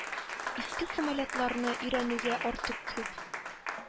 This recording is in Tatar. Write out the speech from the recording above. Иске самолетларны өйрәнүгә артык күп